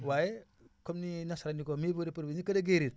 waaye comme nii nas nañu ko ***